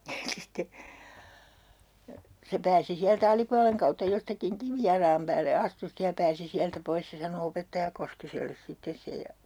ja sitten se pääsi sieltä alipuolen kautta jostakin kivijalan päälle astui sitten ja pääsi sieltä pois se sanoi opettaja Koskiselle sitten sen ja